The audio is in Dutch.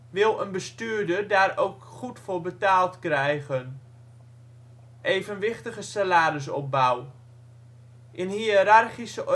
wil een bestuurder daar ook goed voor betaald krijgen. " Evenwichtige salarisopbouw: " In hiërarchische